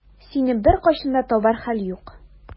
Сине беркайчан да табар хәл юк.